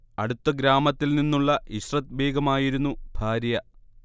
അടുത്ത ഗ്രാമത്തിൽ നിന്നുള്ള ഇശ്റത് ബീഗമായിരുന്നു ഭാര്യ